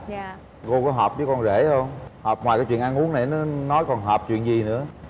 dạ cô có hợp với con rể hông hợp ngoài cái chuyện ăn uống nãy nó nói còn hợp chuyện gì nữa